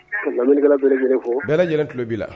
Lam bɛɛ lajɛlen tulolo b'i la